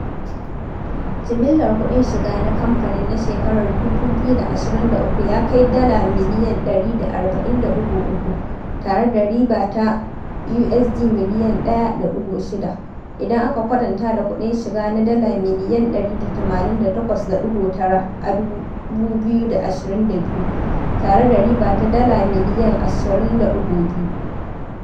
Jimillar kuɗin shiga na kamfanin na shekarar 2023 ya kai dala 140.3 miliyan, tare da riba ta USD 1.6 miliyan, idan aka kwatanta da kuɗin shiga na dala 188.9 miliyan a 2022, tare da riba ta dala 20.2 miliyan.